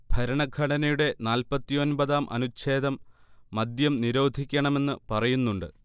ഭരണഘടനയുടെ നാൽപ്പത്തിയൊൻപതാം അനുഛേദം മദ്യം നിരോധിക്കണമെന്ന് പറയുന്നുണ്ട്